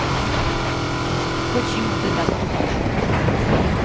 почему ты так тупишь